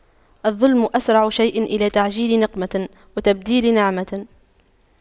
الظلم أسرع شيء إلى تعجيل نقمة وتبديل نعمة